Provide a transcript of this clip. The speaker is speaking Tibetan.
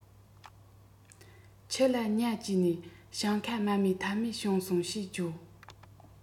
ཁྱི ལ གཉའ བཅས ནས ཞིང ཁ མ རྨོས ཐབས མེད བྱུང སོང ཞེས བརྗོད